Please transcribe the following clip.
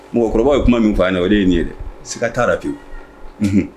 Mɔgɔkɔrɔba ye kuma min fɔ ye o de ye ye dɛ si ka t taa la tenwu